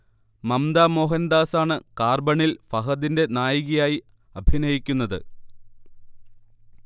മംമ്ത മോഹൻദാസാണ് കാർബണിൽ ഫഹദിന്റെ നായികയായി അഭിനയിക്കുന്നത്